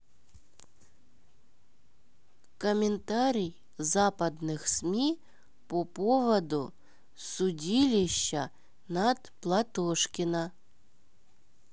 комментарий западных сми по поводу судилища над платошкина